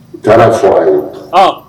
Taara fɔra ye